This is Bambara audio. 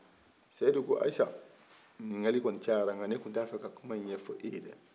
seyidu ko ayisa ɲininkali kɔni cayara nka ne tun ta fɛ ka kuma in ɲɛfɔ e ye dɛ